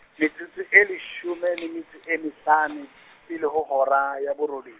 metsotso e leshome le metso e mehlano, pele ho hora, ya borobe-.